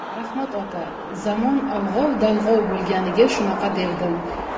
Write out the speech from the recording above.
rahmat ota zamon alg'ov dalg'ov bo'lganiga shunaqa devdim